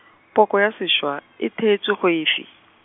poko ya sešwa, e theetswe go efe?